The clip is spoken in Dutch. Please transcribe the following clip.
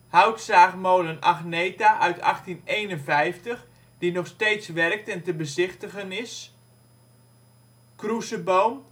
Houtzaagmolen Agneta uit 1851 die nog steeds werkt, en te bezichtigen is Kroezeboom